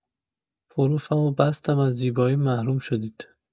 پروفمو بستم از زیباییم محروم شدید